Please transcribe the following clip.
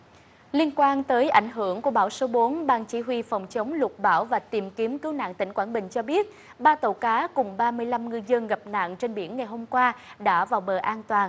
liên quan tới ảnh hưởng của bão số bốn ban chỉ huy phòng chống lụt bão và tìm kiếm cứu nạn tỉnh quảng bình cho biết ba tàu cá cùng ba mươi lăm ngư dân gặp nạn trên biển ngày hôm qua đã vào bờ an toàn